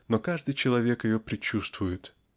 но каждый человек ее предчувствует.